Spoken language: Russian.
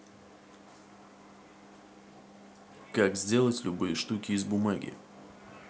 как сделать любые штуки из бумаги